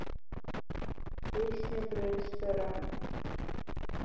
песня про ресторан